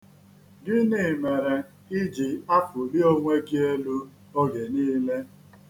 Gịnị mere i ji afụli onwe gị elu oge niile.